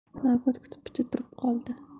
navbat kutib picha turib qoldi